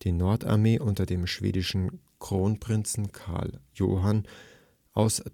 Nordarmee unter dem schwedischen Kronprinzen Karl Johann aus